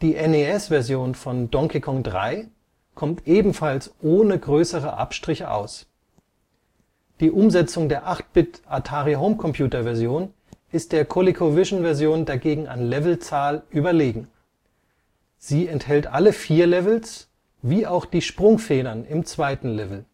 NES-Version von Donkey Kong 3 kommt ebenfalls ohne größere Abstriche aus. Die Umsetzung der 8-Bit-Atari-Home-Computer-Version ist der ColecoVision-Version dagegen an Levelzahl überlegen: sie enthält alle vier Levels, wie auch die Sprungfedern im zweiten Level